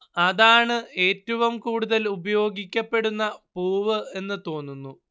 അതാണ് ഏറ്റവും കൂടുതൽ ഉപയോഗിക്കപ്പെടുന്ന പൂവ് എന്നു തോന്നുന്നു